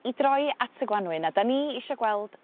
i droi at y Gwanwyn a 'dan ni isio gweld